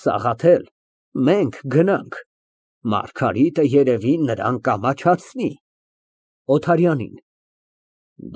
Սաղաթել, մենք գնանք, Մարգարիտը, երևի, նրան կամաչացնի։ (Օթարյանին)